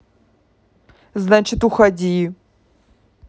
значит уходи